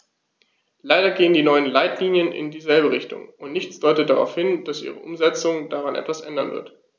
Leider gehen die neuen Leitlinien in dieselbe Richtung, und nichts deutet darauf hin, dass ihre Umsetzung daran etwas ändern wird.